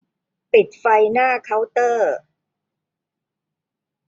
ปิดไฟหน้าเคาน์เตอร์